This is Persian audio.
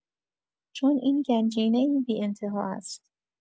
چون این گنجینه‌ای بی‌انتها است.